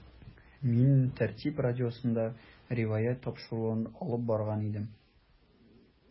“мин “тәртип” радиосында “риваять” тапшыруын алып барган идем.